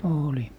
oli